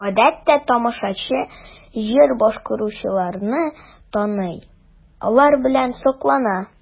Гадәттә тамашачы җыр башкаручыларны таный, алар белән соклана.